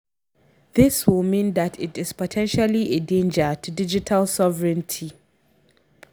This would mean that it is potentially a danger to digital sovereignty.